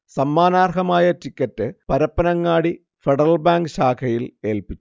സമ്മാനർഹമായ ticket Parappanangadi Federal Bank ശാഖയിൽ ഏൽപിച്ചു